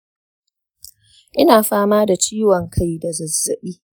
ina fama da ciwon kai da zazzabi